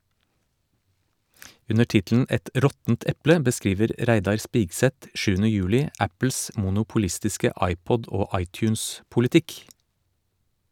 Under tittelen "Et råttent eple" beskriver Reidar Spigseth 7. juli Apples monopolistiske iPod- og iTunes-politikk.